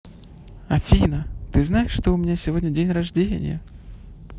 афина ты знаешь что у меня сегодня день рождения